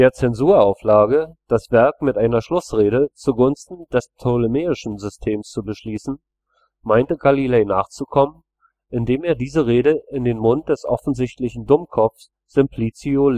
Zensurauflage, das Werk mit einer Schlussrede zugunsten des ptolemäischen Systems zu beschließen, meinte Galilei nachzukommen, indem er diese Rede in den Mund des offensichtlichen Dummkopfs Simplicio